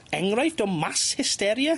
Engraifft o mass hysteria?